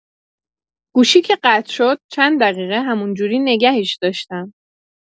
گوشی که قطع شد، چند دقیقه همون‌جوری نگهش داشتم.